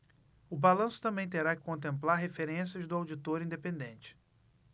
o balanço também terá que contemplar referências do auditor independente